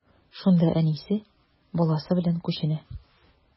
Шунда әнисе, баласы белән күченә.